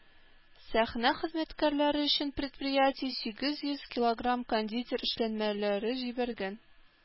Сәхнә хезмәткәрләре өчен предприятие сигез йөз килограмм кондитер эшләнмәләре җибәргән.